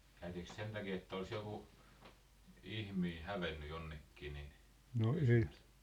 käytiinkö sen takia että olisi joku ihminen hävinnyt jonnekin niin kysymässä